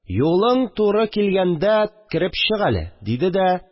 Юлың туры килгәндә кереп чык әле», – диде дә